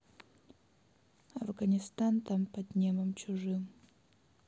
афганистан там под небом чужим